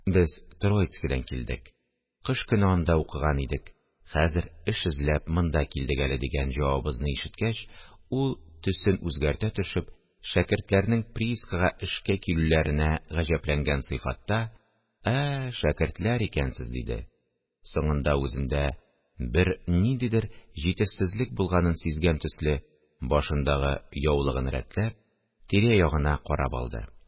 Без Троицкидан килдек, кыш көне анда укыган идек, хәзер эш эзләп монда килдек әле, – дигән җавабыбызны ишеткәч, ул төсен үзгәртә төшеп, шәкертләрнең приискага эшкә килүләренә гаҗәпләнгән сыйфатта: – Ә-ә, шәкертләр икәнсез! – диде, соңында үзендә бер ниндидер җитешсезлек булганын сизгән төсле, башындагы яулыгын рәтләп, тирә-ягына карап алды